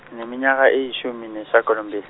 ngine minyaka eyeshumi neshagalombili.